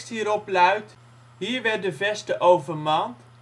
hierop luidt: Hier werd de veste overmand